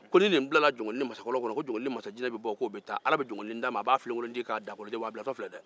ko ni nin bilala jɔnkolonin mansakɔlɔn kɔnɔ ko jɔnkolonin mansajinɛ bɛ bɔ k'o bɛ taa ala bɛ jɔnkolonin d'a ma a b'a filenkolonci k'a daakolonci